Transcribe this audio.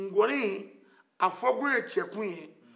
ŋoni a fɔ kun ye cɛ kun ye